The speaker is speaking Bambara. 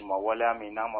Ma waleya min n'a ma